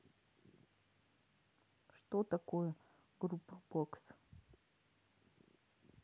что такое group бокс